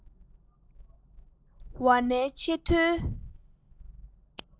ཝཱ ཎའི ཆེས མཐོའི